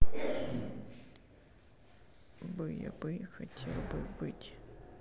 бы я бы хотел бы быть